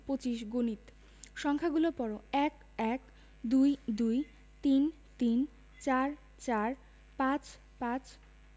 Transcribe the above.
২৫ গণিত সংখ্যাগুলো পড়ঃ ১ - এক ২ - দুই ৩ - তিন ৪ – চার ৫ – পাঁচ